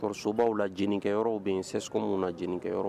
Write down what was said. Sobaw la jkɛyɔrɔ bɛ yen skɔw na jkɛyɔrɔ